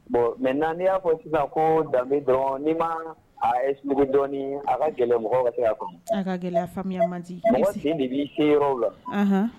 Bon mɛ na y'a fɔ sisan ko danbe dɔɔnin ma a ye sun dɔɔnin a ka gɛlɛn mɔgɔ ka se a kɔnɔ a ka gɛlɛya faamuya man di sigi de bɛ se yɔrɔ la